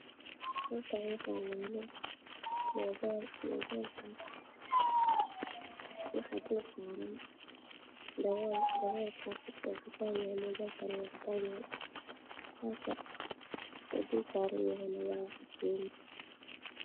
Waxaa yaalo mobile waxa dul saaran cadaan mobile cadaan meesha jeemis